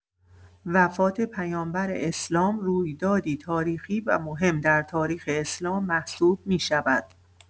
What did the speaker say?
وفات پیامبر اسلام رویدادی تاریخی و مهم در تاریخ اسلام محسوب می‌شود.